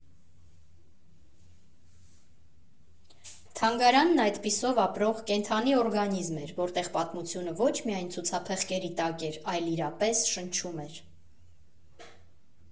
Թանգարանն այդպիսով ապրող, կենդանի օրգանիզմ էր, որտեղ պատմությունը ոչ միայն ցուցափեղկերի տակ էր, այլ իրապես շնչում էր։